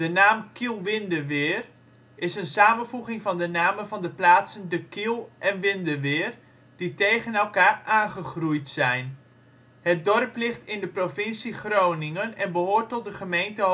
naam Kiel-Windeweer (Gronings: Kiel) is een samenvoeging van de namen van de plaatsen De Kiel en Windeweer, die tegen elkaar aan gegroeid zijn. Het dorp ligt in de provincie Groningen en behoort tot de gemeente Hoogezand-Sappemeer